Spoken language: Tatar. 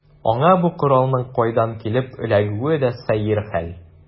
Аңа бу коралның кайдан килеп эләгүе дә сәер хәл.